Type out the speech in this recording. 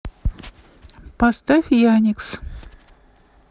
поставь яникс